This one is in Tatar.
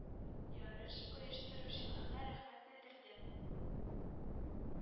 Ярыш оештыручыларга рәхмәт белдерде.